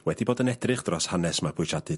...wedi bod yn edrych dros hanes mabwysiadu...